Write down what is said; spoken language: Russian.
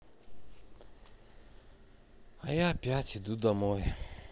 а я опять иду домой